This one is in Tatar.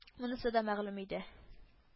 Онысы да мәгълүм иде